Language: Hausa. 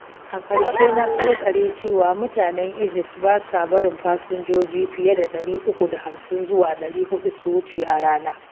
A ƙarshe na ƙarƙare cewa, mutanen Egypt ba sa barin fasinjoji fiye da 350 zuwa 400 su wuce a rana.